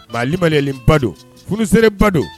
Maa limaliyalen ba don furu seere ba don.